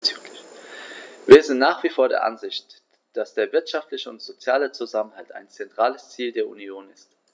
Wir sind nach wie vor der Ansicht, dass der wirtschaftliche und soziale Zusammenhalt ein zentrales Ziel der Union ist.